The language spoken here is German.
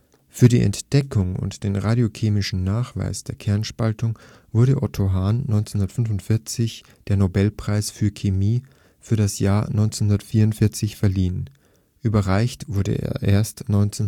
Für die Entdeckung und den radiochemischen Nachweis der Kernspaltung wurde Otto Hahn 1945 der Nobelpreis für Chemie für das Jahr 1944 verliehen (überreicht wurde er erst 1946